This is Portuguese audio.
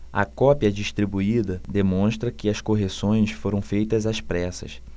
a cópia distribuída demonstra que as correções foram feitas às pressas